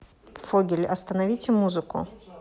фогель остановите музыку